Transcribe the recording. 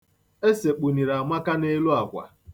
E sekpuniri Amaka n'elu akwa.